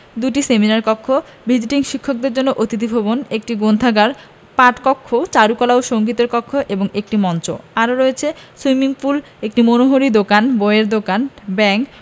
২টি সেমিনার কক্ষ ভিজিটিং শিক্ষকদের জন্য অতিথি ভবন একটি গ্রন্থাগার পাঠকক্ষ চারুকলা ও সঙ্গীতের কক্ষ এবং একটি মঞ্চ আরও রয়েছে সুইমিং পুল একটি মনোহারী দোকান বইয়ের দোকান ব্যাংক